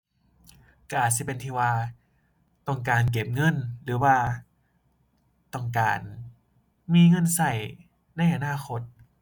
ก็อาจสิเป็นที่ว่าต้องการเก็บเงินหรือว่าต้องการมีเงินก็ในอนาคต